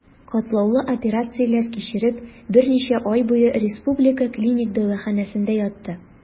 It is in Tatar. Катлаулы операцияләр кичереп, берничә ай буе Республика клиник дәваханәсендә ятты.